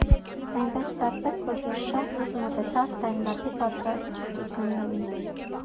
Այնպես ստացվեց, որ ես շատ լուրջ մոտեցա սթենդափի պատրաստություններին։